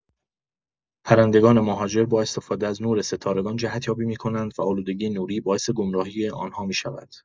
پرندگان مهاجر با استفاده از نور ستارگان جهت‌یابی می‌کنند و آلودگی نوری باعث گمراهی آن‌ها می‌شود.